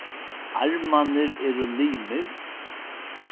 armarnir eru limir